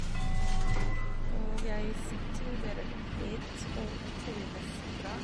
Og jeg studerer hit og trives bra.